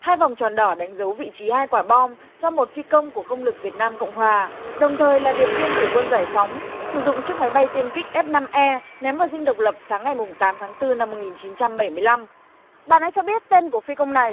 hai vòng tròn đỏ đánh dấu vị trí hai quả bom do một phi công của không lực việt nam cộng hòa đồng thời là điệp viên của quân giải phóng sử dụng chiếc máy bay tiêm kích ép năm a ném vào dinh độc lập sáng ngày mùng tám tháng tư năm một nghìn chín trăm bảy mươi lăm bạn hãy cho biết tên của phi công này